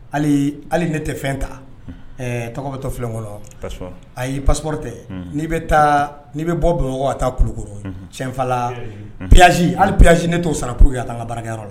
Hali hali ne tɛ fɛn ta tɔgɔ bɛtɔ filen kɔnɔ ayi' pasp tɛ ni bɛ taa bɛ bɔ bɛnɔgɔ a taa kulu kɔnɔ cɛnfala pyanz ali pyanz ne to sarauru yan a kan ka barikayɔrɔ la